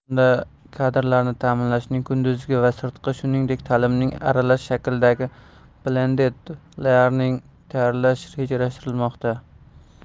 unda kadrlarni ta'limning kunduzgi va sirtqi shuningdek ta'limning aralash shaklida blended learning tayyorlash rejalashtirilmoqda